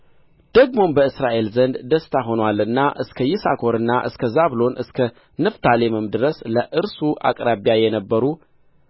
ደግሞም በእስራኤል ዘንድ ደስታ ሆኖአልና እስከ ይሳኮርና እስከ ዛብሎን እስከ ንፍታሌምም ድረስ ለእርሱ አቅራቢያ የነበሩ